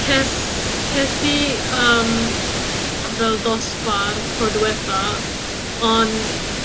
ces ces i yym fel dosbarth tro diwetha on'